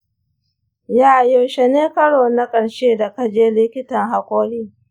ya yaushe ne karo na karshe da ka je likitan hakori?